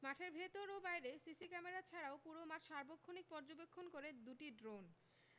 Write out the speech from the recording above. মাঠের ভেতর ও বাইরে সিসি ক্যামেরা ছাড়াও পুরো মাঠ সার্বক্ষণিক পর্যবেক্ষণ করে দুটি ড্রোন